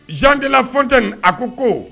Jean de la Fontaine a ko ko